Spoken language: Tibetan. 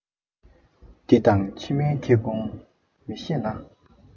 འདི དང ཕྱི མའི ཁེ གྱོང མི ཤེས ན